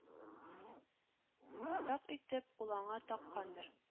Так итеп ул аңа таккандыр